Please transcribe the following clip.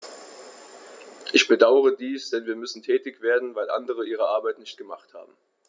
Ich bedauere dies, denn wir müssen tätig werden, weil andere ihre Arbeit nicht gemacht haben.